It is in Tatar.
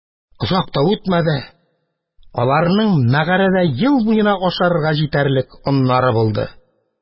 Озак та үтмәде, аларның мәгарәдә ел буена ашарга җитәрлек оннары булды.